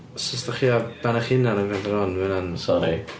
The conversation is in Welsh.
Os dach chi ar ben eich hunan yn gwrando ar hon, mae hwnna'n... Sori.